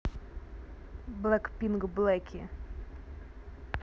black pink блэки